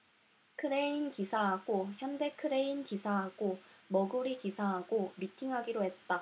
크레인 기사하고 현대 크레인 기사하고 머구리 기사하고 미팅하기로 했다